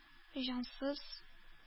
Җансыз